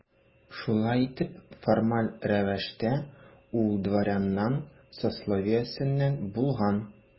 Шулай итеп, формаль рәвештә ул дворяннар сословиесеннән булган.